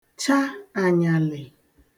cha ànyàlị̀